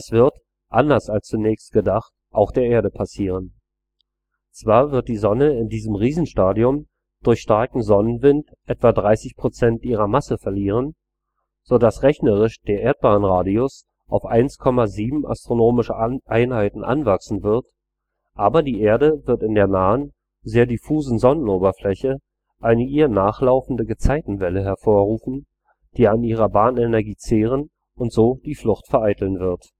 wird, anders als zunächst gedacht, auch der Erde passieren. Zwar wird die Sonne in diesem Riesenstadium durch starken Sonnenwind etwa 30 % ihrer Masse verlieren, sodass rechnerisch der Erdbahnradius auf 1,7 AE anwachsen wird, aber die Erde wird in der nahen, sehr diffusen Sonnenoberfläche eine ihr nachlaufende Gezeitenwelle hervorrufen, die an ihrer Bahnenergie zehren und so die Flucht vereiteln wird